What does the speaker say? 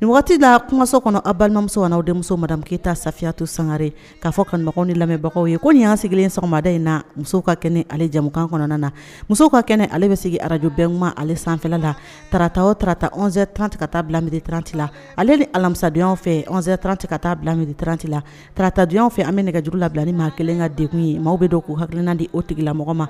nin waati da kumaso kɔnɔ a balimamuso aw denmuso mamuke ta sayatu sangare k'a fɔ kanumɔgɔ ni lamɛnbagaw ye ko nin an sigilen sɔgɔmada in na musow ka kɛnɛ ale jamumukan kɔnɔna na musow ka kɛnɛ ale bɛ sigi arajbɛn kumaale sanfɛfɛ la tarata otata anwzeranti ka taa bila miranti la ale ni alamisadon fɛ anzranti ka taa bila mi tranti latabu fɛ an bɛ nɛgɛjuru labila ni maa kelen ka dekun ye maaw bɛ don k'u hakilina di o tigila mɔgɔ ma